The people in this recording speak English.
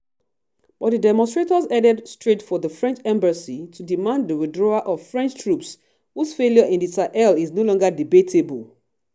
But the demonstrators headed straight for the French Embassy to demand the withdrawal of French troops whose failure in the Sahel is no longer debatable.